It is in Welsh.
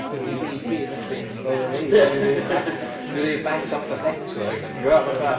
o 'di BT methu instalio lein... ... dwi ry bell dwi ry bell off y network ti'n gwbo?